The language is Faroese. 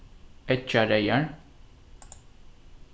eggjareyðar